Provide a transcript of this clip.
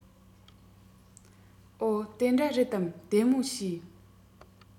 འོ དེ འདྲ རེད དམ བདེ མོ བྱོས